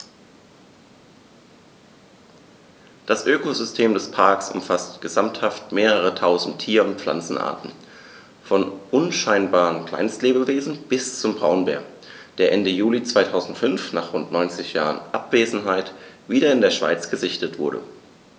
Das Ökosystem des Parks umfasst gesamthaft mehrere tausend Tier- und Pflanzenarten, von unscheinbaren Kleinstlebewesen bis zum Braunbär, der Ende Juli 2005, nach rund 90 Jahren Abwesenheit, wieder in der Schweiz gesichtet wurde.